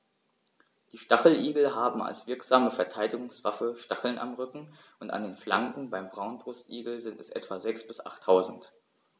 Die Stacheligel haben als wirksame Verteidigungswaffe Stacheln am Rücken und an den Flanken (beim Braunbrustigel sind es etwa sechs- bis achttausend).